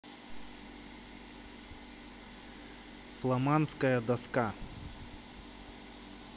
фломанская доска